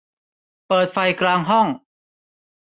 เปิดไฟกลางห้อง